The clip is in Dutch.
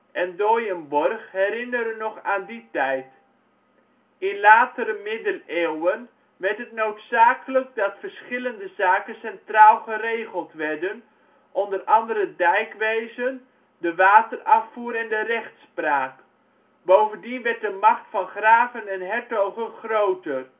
en Doijen-borgh herinneren nog aan die tijd. In latere Middeleeuwen werd het noodzakelijk dat verschillende zaken centraal geregeld werden, onder andere dijkwezen, de waterafvoer en de rechtspraak. Bovendien werd de macht van graven en hertogen groter